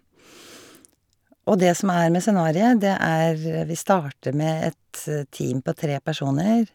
Og det som er med scenariet, det er, vi starter med et team på tre personer.